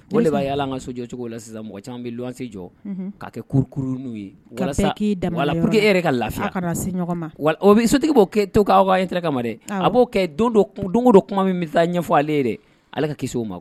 O de i b'a ye hali an ka so jɔ cogo la sisan, mɔgɔ caaman bɛ luwanse jɔ k'a kɛ cour, cour ni ye. Walasa Karisa k'i dan ma yɔrɔ la. Pour que e yɛrɛ ka lafiya. A ka se ɲɔgɔn ma. O bɛ sotigi b'o kɛ o to k'aw yɛrɛ ka intérêt dɛ, a b'o kɛ don don, don ko don kuma min bɛ taa ɲɛfɔ ale ye dɛ, ale ka kisi o ma.